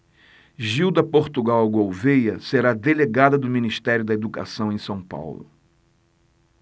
gilda portugal gouvêa será delegada do ministério da educação em são paulo